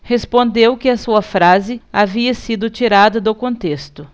respondeu que a sua frase havia sido tirada do contexto